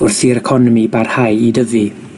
wrth i'r economi barhau i dyfu.